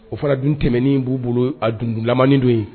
O fana dun kɛmɛni b'u bolo a dundunlamani don ye